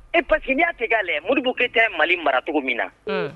E pasekeya tigɛ k' la moribukɛ tɛ mali mara cogo min na